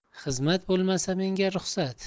xizmat bo'lmasa menga ruhsat